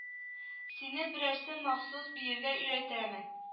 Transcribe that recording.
Сине берәрсе махсус биергә өйрәтәме